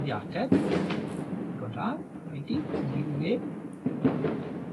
###wedi ateb, digon da, tidy, dim byd o'i le.